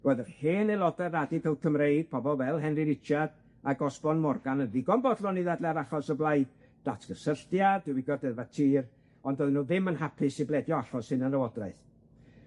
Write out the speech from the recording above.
Roedd yr hen aeloda radical Cymreig, pobl fel Henry Richard ag Osbourne Morgan yn ddigon bodlon i ddadlau'r achos o blaid datgysylltiad, diwygio'r deddfa' tir, ond doedden nw ddim yn hapus i bledio achos hunanlywodraeth.